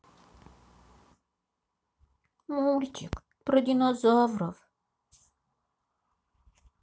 мультфильм про динозавра